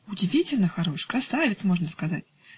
-- Удивительно хорош, красавец, можно сказать.